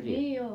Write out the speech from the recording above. niin joo